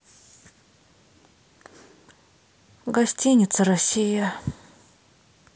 гостиница россия